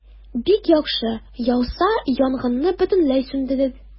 Бик яхшы, яуса, янгынны бөтенләй сүндерер.